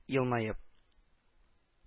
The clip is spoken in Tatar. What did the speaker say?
Елмаеп: